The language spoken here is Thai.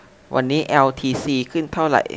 วันนี้แอลทีซีขึ้นเท่าไหร่